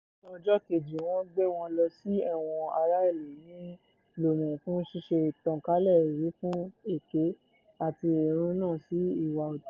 Ní ọjọ́ kejì, wọ́n gbé wọn lọ sí ẹ̀wọ̀n ará-ìlú ní Lomé fún ṣíṣe ìtànkálẹ̀ ìwífún èké àti ìrúnná sí ìwà ọ̀tẹ̀.